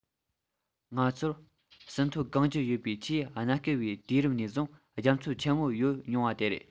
ང ཚོར ཟིན ཐོ གང ཅི ཡོད པའི ཆེས གནའ བསྐལ བའི དུས རབས ནས བཟུང རྒྱ མཚོ ཆེན མོ ཡོད མྱོང བ དེ རེད